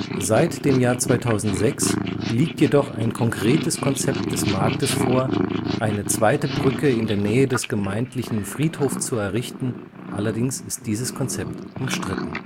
Derzeit (2006) liegt jedoch ein konkretes Konzept des Marktes vor, eine zweite Brücke in der Nähe des gemeindlichen Friedhofs zu errichten, allerdings ist dieses Konzept umstritten